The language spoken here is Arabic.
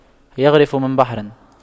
يَغْرِفُ من بحر